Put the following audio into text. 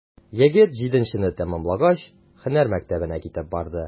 Егет, җиденчене тәмамлагач, һөнәр мәктәбенә китеп барды.